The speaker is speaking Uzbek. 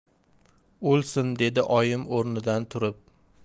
o'lsin dedi oyim o'rnidan turib